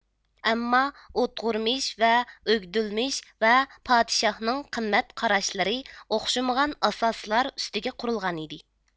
ئەمما ئودغۇرمىش ۋە ئۆگدۈلمىش ۋە پادىشاھنىڭ قىممەت قاراشلىرى ئوخشىمىغان ئاساسلار ئۈستىگە قۇرۇلغانىدى